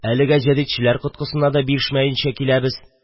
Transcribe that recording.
Әлегә җәдитчеләр коткысына да бирешмәенчә киләбез.